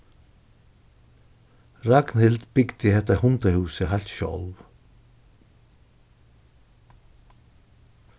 ragnhild bygdi hetta hundahúsið heilt sjálv